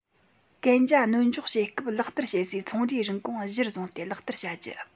གན རྒྱ སྣོལ འཇོག བྱེད སྐབས ལག བསྟར བྱེད སའི ཚོང རའི རིན གོང གཞིར བཟུང སྟེ ལག བསྟར བྱ རྒྱུ